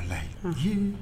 Ala ye, unh